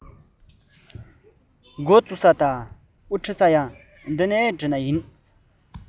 མགོ འཛུགས བྱེད ས དང དབུ ཁྱུད འབྲི ས དེ འདི ནས ཡིན